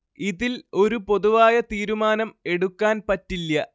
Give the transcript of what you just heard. ഇതിൽ ഒരു പൊതുവായ തീരുമാനം എടുക്കാന്‍ പറ്റില്യ